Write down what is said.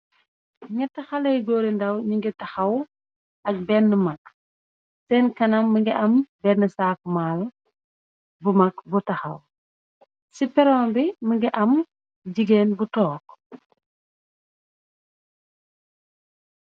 Nyate xalay góori ndaw nuge taxaw ak benn mag sen kanam mingi am benn saaku maalu bu mag bu taxaw ci perom bi mingi am jigéen bu tonke.